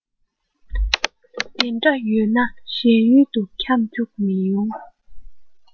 དེ འདྲ ཡོད ན གཞན ཡུལ དུ ཁྱམས བཅུག མི ཡོང